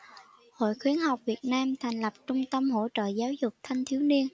hội khuyến học việt nam thành lập trung tâm hỗ trợ giáo dục thanh thiếu niên